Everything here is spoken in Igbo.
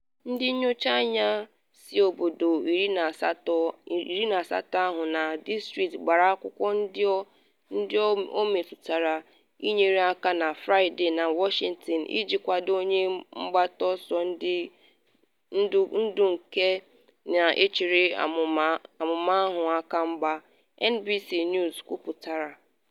Ndị nnọchi anya si obodo 18 ahụ na district gbara akwụkwọ ndị ọ metụtara inyere aka na Fraịde na Washington iji kwado onye mgbata ọsọ ndụ nke na-echere amụma ahụ aka mgba, NBC News kwuputara.